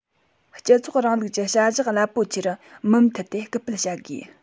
སྤྱི ཚོགས རིང ལུགས ཀྱི བྱ གཞག རླབས པོ ཆེར མུ མཐུད དེ སྐུལ སྤེལ བྱ དགོས